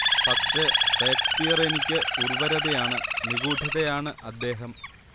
പക്ഷേ, ഷേക്സ്പിയറെനിക്ക് ഉർവരതയാണ്, നിഗൂഢതയാണ് അദ്ദേഹം